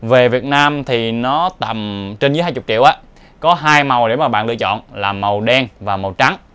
về vn thì tầm trên dưới triệu có màu để lựa chọn màu đen và trắng